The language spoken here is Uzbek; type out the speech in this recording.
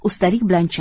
ustalik bilan chap